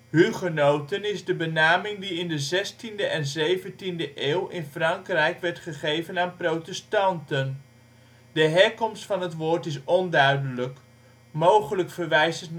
Hugenoten is de benaming die in de 16e en 17e eeuw in Frankrijk werd gegeven aan protestanten. De herkomst van het woord is onduidelijk. Mogelijk verwijst